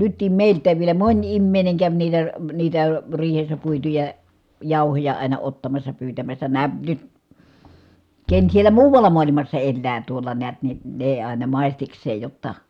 nytkin meiltäkin vielä moni ihminen kävi niitä niitä riihessä puituja jauhoja aina ottamassa pyytämässä nämä nyt ken siellä muualla maailmassa elää tuolla näet niin ne aina maistikseen jotta